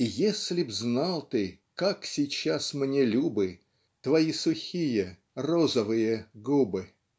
"и если б знал ты, как сейчас мне любы твои сухие розовые губы"